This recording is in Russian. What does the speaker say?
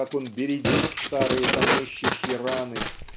как он бередит старые помещичьи раны